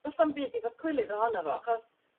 do's snam byd i fod cwylidd ohono fo achos